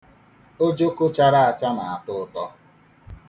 Ojoko chara acha na-atọ ụtọ